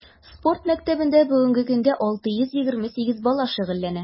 Спорт мәктәбендә бүгенге көндә 628 бала шөгыльләнә.